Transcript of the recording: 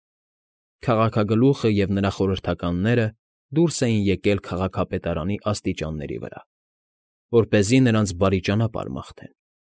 Քաղաքագլուխն ու նրա խորհրդականները դուրս էին եկել քաղաքապետարանի աստիճանների վրա, որպեսզի նրանց բարի ճանապարհ մաղթեն։